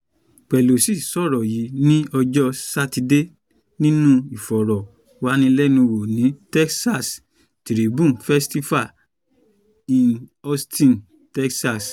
Pelosi sọ̀rọ̀ yí ní ọjọ́ Satidé nínú ìfọ̀rọ̀wánilẹ́nuwò ní Texas Tribune Festival in Austin, Texas.